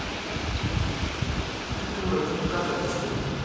ты дура тебе как объяснить